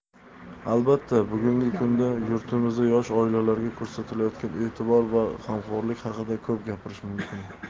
albatta bugungi kunda yurtimizda yosh oilalarga ko'rsatilayotgan e'tibor va g'amxo'rlik haqida ko'p gapirish mumkin